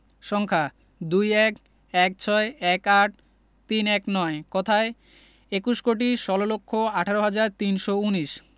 সংখ্যাঃ ২১ ১৬ ১৮ ৩১৯ কথায়ঃ একুশ কোটি ষোল লক্ষ আঠারো হাজার তিনশো উনিশ